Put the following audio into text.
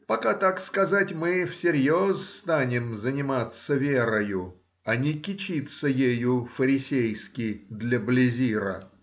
пока, так сказать, мы всерьез станем заниматься верою, а не кичиться ею фарисейски, для блезира.